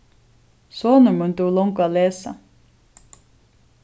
sonur mín dugir longu at lesa